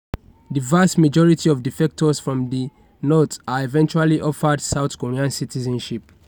The vast majority of defectors from the North are eventually offered South Korean citizenship.